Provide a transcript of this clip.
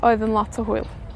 Oedd yn lot o hwyl.